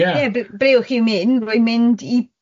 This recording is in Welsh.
Ie... Ie... Bl- ble oedd chi'n mynd, rwy'n mynd i